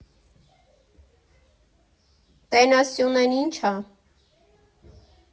Տենաս Սյունեն ի՞նչ ա։